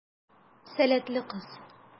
Сәләтле кыз.